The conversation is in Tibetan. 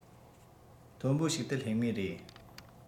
མཐོན པོ ཞིག ཏུ སླེབས ངེས རེད